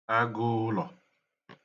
agụụlọ